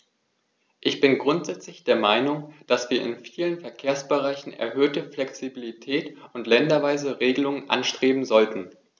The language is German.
Ich bin grundsätzlich der Meinung, dass wir in vielen Verkehrsbereichen erhöhte Flexibilität und länderweise Regelungen anstreben sollten.